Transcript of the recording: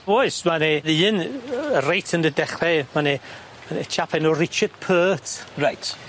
Oes ma' 'ne ddyn yy reit yn y dechre ma' 'ne ma' 'ne chap enw Richard Pert. Reit.